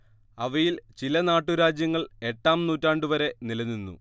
അവയിൽ ചില നാട്ടുരാജ്യങ്ങൾ എട്ടാം നൂറ്റാണ്ടുവരെ നിലനിന്നു